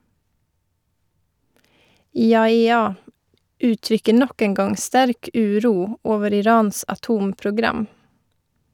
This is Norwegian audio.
IAEA uttrykker nok en gang sterk uro over Irans atomprogram.